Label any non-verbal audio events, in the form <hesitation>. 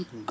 <hesitation>